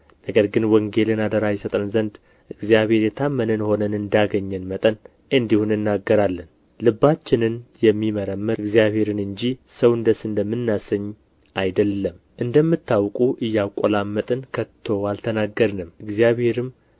ነገር ግን ወንጌልን አደራ ይሰጠን ዘንድ እግዚአብሔር የታመንን ሆነን እንዳገኘን መጠን እንዲሁ እንናገራለን ልባችንን የሚመረምር እግዚአብሔርን እንጂ ሰውን ደስ እንደምናሰኝ አይደለም እንደምታውቁ እያቈላመጥን ከቶ አልተናገርንም እግዚአብሔርም